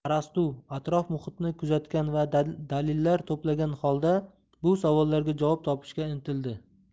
arastu atrof muhitni kuzatgan va dalillar to'plagan holda bu savollarga javob topishga intildi